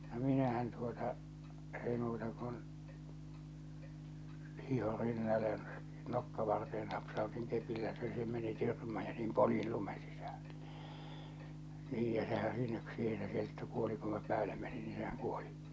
no minähän tuota ei muuta kuin hiihdin rinnalle ja nokkavarteen napsautin kepillä se se meni tyrmään ja niin poljin lumen sisälle niin ja sehän siinä siihen se kettu kuoli kun minä päälle menin niin sehän kuoli